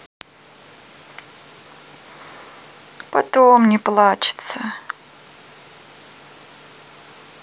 потом не плачется